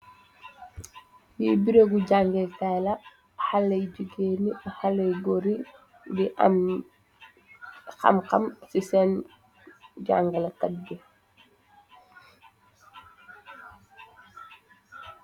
Li biregu jàngaykaay la haley jigéen ak haley góor nungi ham-ham ci senn jangalè kat bi.